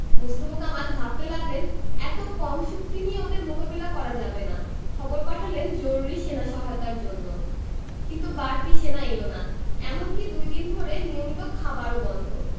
মোস্তফা কামাল ভাবতে লাগলেন এত কম শক্তি নিয়ে ওদের মোকাবিলা করা যাবে না খবর পাঠালেন জরুরি সেনা সহায়তার জন্য কিন্তু বাড়তি সেনা এলো না এমনকি দুই দিন ধরে নিয়মিত খাবারও বন্ধ